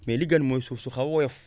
mais li gën mooy suuf su xaw a woyof